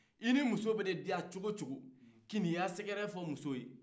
inin i muso mana diya cogocogo i kana ika sekɛrɛ fɔ muso ye